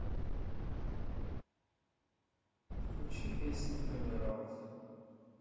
включи песни тони раут